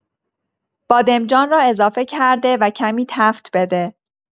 بادمجان را اضافه کرده و کمی تفت بده.